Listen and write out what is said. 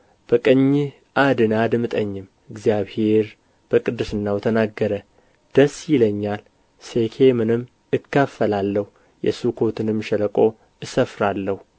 በቀኝህ አድን አድምጠኝም እግዚአብሔር በቅድስናው ተናገረ ደስ ይለኛል ሴኬምንም እካፈላለሁ የሱኮትንም ሸለቆ እሰፍራለሁ